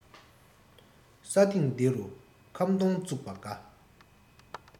ས སྟེང འདི རུ ཁམ སྡོང བཙུགས པ དགའ